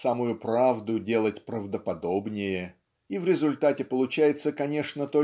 самую правду делать правдоподобнее ив результате получается конечно